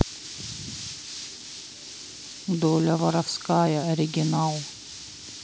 доля воровская оригинал